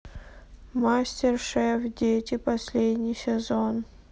мастер шеф дети последний сезон